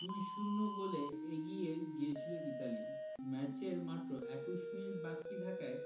২ ০ গোলে এগিয়ে গিয়েছিল ইতালি ম্যাচের মাত্র ২১ মিনিট বাকি থাকায়